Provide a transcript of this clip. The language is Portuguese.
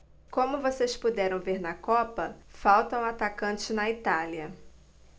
como vocês puderam ver na copa faltam atacantes na itália